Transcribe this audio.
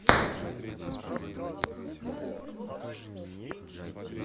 каблучками тук тук тук